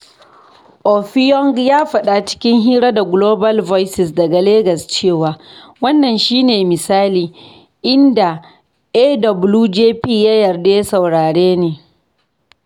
Offiong ya faɗa cikin hira da Gloval Voices daga Legas cewa. ''wannan shi ne misali, inda AWJP ya yarda ya saurare ni''